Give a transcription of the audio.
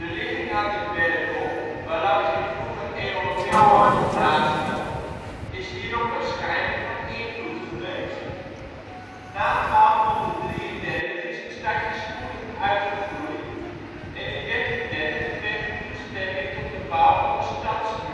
ligging aan de Berkel, waarlangs in vroeger eeuwen veel handel plaatsvond, is hierop waarschijnlijk van invloed geweest. Lochem rond 1560, door Jacob van Deventer. Na 1233 is het stadje spoedig uitgegroeid en in 1330 kreeg het toestemming tot de bouw van een stadsmuur. Een